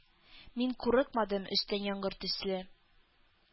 Мин курыкмадым өстән яңгыр төсле